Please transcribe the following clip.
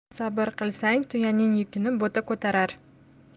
sabr qilsang tuyaning yukini bo'ta ko'tarar